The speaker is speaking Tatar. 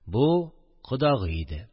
Бу – кодагый иде